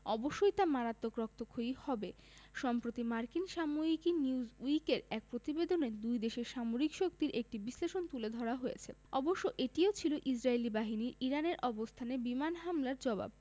অবশ্যই তা মারাত্মক রক্তক্ষয়ী হবে সম্প্রতি মার্কিন সাময়িকী নিউজউইকের এক প্রতিবেদনে দুই দেশের সামরিক শক্তির একটি বিশ্লেষণ তুলে ধরা হয়েছে অবশ্য এটিও ছিল ইসরায়েলি বাহিনীর ইরানের অবস্থানে বিমান হামলার জবাব